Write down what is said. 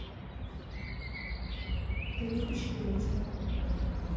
ты любишь ельцина